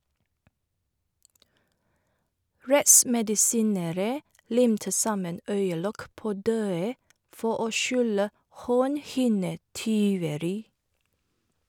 Rettsmedisinere limte sammen øyelokk på døde for å skjule hornhinnetyveri.